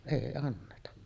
ei anneta